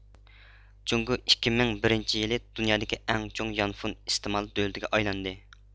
جۇڭگو ئىككى مىڭ بىرىنچى يىلى دۇنيادىكى ئەڭ چوڭ يانفون ئىستېمال دۆلىتىگە ئايلاندى